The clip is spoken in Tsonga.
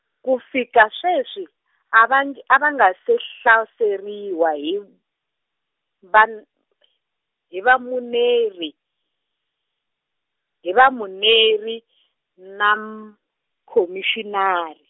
ku fika sweswi, a va ngi- a va nga se hlaseriwa hi van-, hi Vamuneri, hi Vamuneri na m-, Khomixinari.